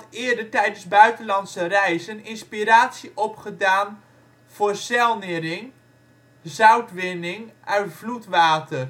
eerder tijdens buitenlandse reizen inspiratie opgedaan voor ' zelnering '; zoutwinning uit vloedwater. Een